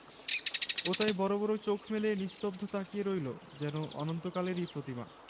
Rabindranath Thakur collected from intermediate Bangla Bengali Clinton B Seely